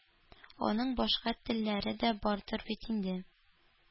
Аның башка теллеләре дә бардыр бит инде.